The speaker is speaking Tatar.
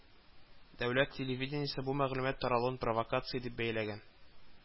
Дәүләт телевидениесе бу мәгълүмат таралуын провокация дип бәяләгән